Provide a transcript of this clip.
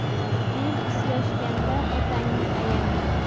bel ushlashganda otangni ayama